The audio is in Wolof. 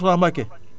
Bouchra Mbacké